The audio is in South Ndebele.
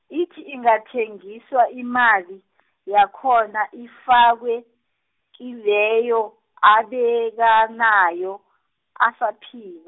ithi ingathengiswa imali, yakhona ifakwe, kileyo abekanayo, asaphila.